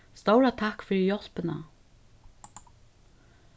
stóra takk fyri hjálpina